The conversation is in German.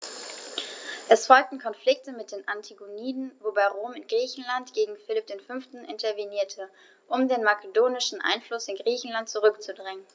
Es folgten Konflikte mit den Antigoniden, wobei Rom in Griechenland gegen Philipp V. intervenierte, um den makedonischen Einfluss in Griechenland zurückzudrängen.